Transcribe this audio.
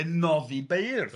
...yn noddi beurdd.